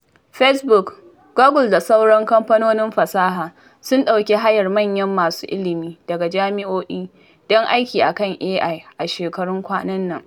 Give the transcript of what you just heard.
Facebook, Google da sauran kamfanonin fasaha sun ɗauki hayar manyan masu ilmi daga jami’o’i don aiki a kan AI a shekarun kwana nan.